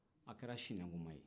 a kɛra sinankunma ye